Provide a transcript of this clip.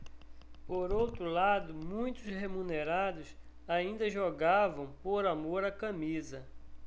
por outro lado muitos remunerados ainda jogavam por amor à camisa